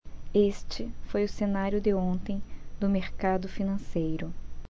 este foi o cenário de ontem do mercado financeiro